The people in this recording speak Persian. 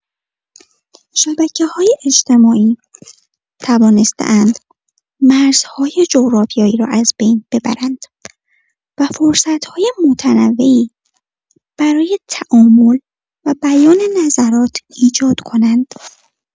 شبکه‌های اجتماعی توانسته‌اند مرزهای جغرافیایی را از بین ببرند و فرصت‌های متنوعی برای تعامل و بیان نظرات ایجاد کنند.